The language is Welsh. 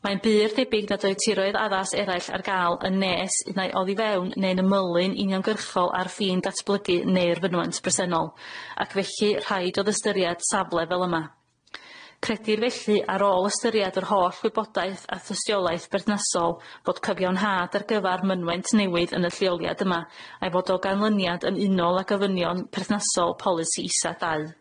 Mae'n bur debyg nad oedd tiroedd addas eraill ar ga'l yn nes un ai oddi fewn neu'n ymylu'n uniongyrchol â'r ffin datblygu ne'r fynwent bresennol ac felly rhaid o'dd ystyriad safle fel yma. Credir felly ar ôl ystyriad yr holl wybodaeth a thystiolaeth berthnasol fod cyfiawnhad ar gyfar mynwent newydd yn y lleoliad yma a'i fod o ganlyniad yn unol â gofynion perthnasol polisi isa dau.